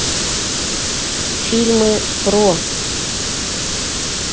фильмы про